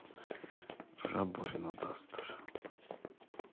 жабо рено дастер